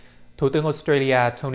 thủ tướng ốt trây ri a thô